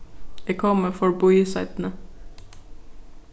eg komi forbí seinni